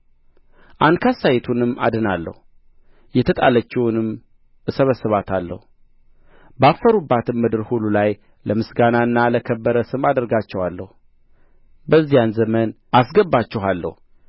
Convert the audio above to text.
ንካሳይቱንም አድናለሁ የተጣለችውንም እሰበስባታለሁ ባፈሩባትም ምድር ሁሉ ላይ ለምስጋናና ለከበረ ስም አደርጋቸዋለሁ በዚያ ዘመን አስገባችኋለሁ